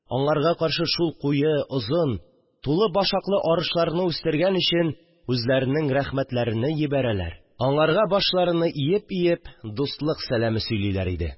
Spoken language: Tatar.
Аңарга каршы шул куе, озын, тулы башаклы арышларны үстергән өчен үзләренең рәхмәтләрене җибәрәләр, аңарга башларыны иеп-иеп дустлык сәламе сөйлиләр иде